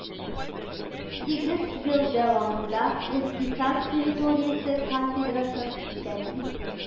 Сигез ел дәвамында икътисад теориясе кафедрасын итәкли